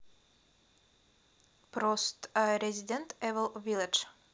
прост resident evil village